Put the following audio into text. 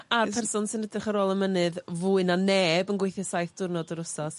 A'r person sy'n ydrych ar ôl y mynydd fwy na neb yn gweithio saith diwrnod yr wsos